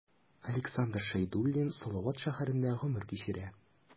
Александр Шәйдуллин Салават шәһәрендә гомер кичерә.